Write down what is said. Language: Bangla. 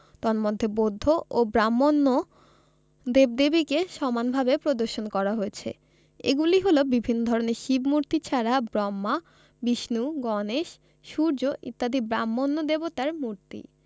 তন্মধ্যে বৌদ্ধ ও ব্রাক্ষ্মণ দেবদেবীকে সমানভাবে প্রদর্শন করা হয়েছে এগুলি হলো বিভিন্ন ধরনের শিব মূর্তি ছাড়া ব্রহ্মা বিষ্ণু গণেশ সূর্য ইত্যাদি ব্রাহ্মণ্য দেবতার মূর্তি